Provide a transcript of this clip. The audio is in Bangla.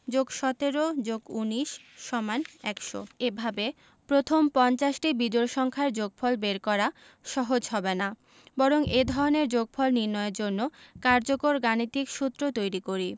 +১৭+১৯=১০০ এভাবে প্রথম পঞ্চাশটি বিজোড় সংখ্যার যোগফল বের করা সহজ হবে না বরং এ ধরনের যোগফল নির্ণয়ের জন্য কার্যকর গাণিতিক সূত্র তৈরি করি